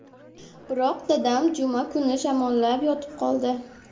biroq dadam juma kuni shamollab yotib qoldi